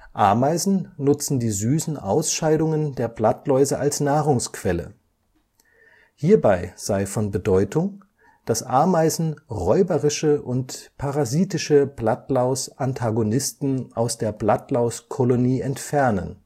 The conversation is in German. Ameisen nutzen die süßen Ausscheidungen der Blattläuse als Nahrungsquelle. Hierbei sei von Bedeutung, dass Ameisen räuberische und parasitische Blattlaus-Antagonisten aus der Blattlaus-Kolonie entfernen